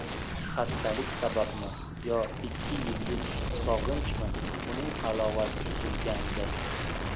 xastalik sababmi yo ikki yillik sog'inchmi uning halovati buzilgandi